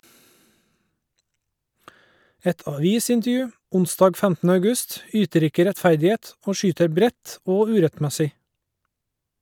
Et avisintervju (onsdag 15. august) yter ikke rettferdighet og skyter bredt og urettmessig.